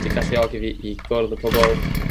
'di galluogi i fii gwrdd â pobol